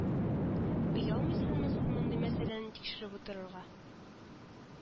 Оялмыйсызмы сез мондый мәсьәләне тикшереп утырырга